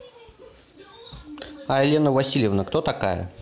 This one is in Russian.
а елена васильевна кто такая